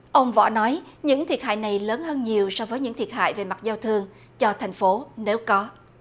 ông võ nói những thiệt hại này lớn hơn nhiều so với những thiệt hại về mặt giao thương cho thành phố nếu có